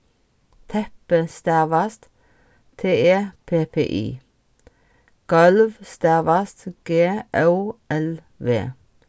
teppi stavast t e p p i gólv stavast g ó l v